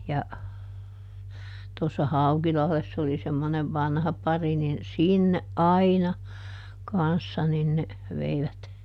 ja tuossa Haukilahdessa oli semmoinen vanha pari niin sinne aina kanssa niin ne veivät